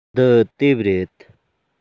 འདི དེབ རེད